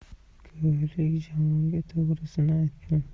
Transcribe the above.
ko'hlik juvonga to'g'risini aytdim